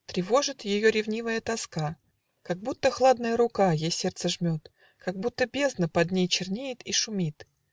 тревожит Ее ревнивая тоска, Как будто хладная рука Ей сердце жмет, как будто бездна Под ней чернеет и шумит.